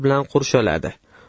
bilan qurshaladi